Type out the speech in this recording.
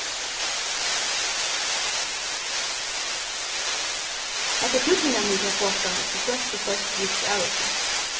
hetta er týdningarmikið at fáa fram tí flestu fólk vita ikki av hesum